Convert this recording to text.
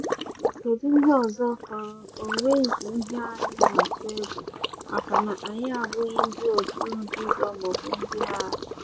Kedu ihe ọzọ fọrọ, o nweghizi ihe anyị na-atụ egwu, maka na anyị abụghị ndị otu nzuzo maọbụ ndị agha.